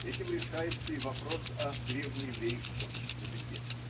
Этим решается и вопрос о древнееврсйском языке.